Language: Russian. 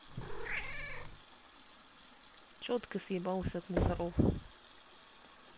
четко съебался от мусоров